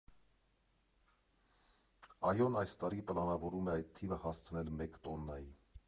ԱՅՈ֊ն այս տարի պլանավորում է այդ թիվը հասցնել մեկ տոննայի։